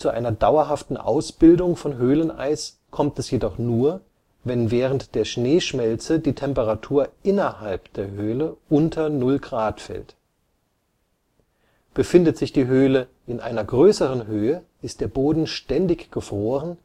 einer dauerhaften Ausbildung von Höhleneis kommt es jedoch nur, wenn während der Schneeschmelze die Temperatur innerhalb der Höhle unter Null Grad fällt. Befindet sich die Höhle in einer größeren Höhe, ist der Boden ständig gefroren